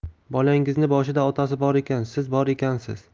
bolangizni boshida otasi bor ekan siz bor ekansiz